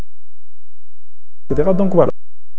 دراغون بول